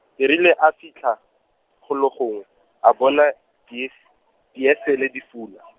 e rile a fitlha, golo gongwe, a bona, dies-, diesele di fula.